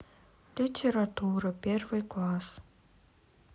литература первый класс